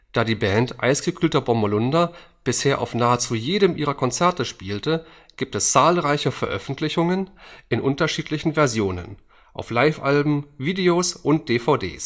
Da die Band Eisgekühlter Bommerlunder bisher auf nahezu jedem ihrer Konzerte spielte, gibt es zahlreiche Veröffentlichungen, in unterschiedlichen Versionen, auf Live-Alben, Videos und DVDs